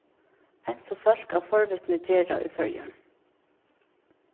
eins og fólk av forvitni gera í føroyum